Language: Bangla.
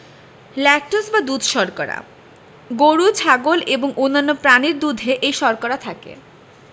ল্যাকটোজ বা দুধ শর্করা গরু ছাগল এবং অন্যান্য প্রাণীর দুধে এই শর্করা থাকে